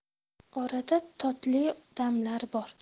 orada totli damlar bor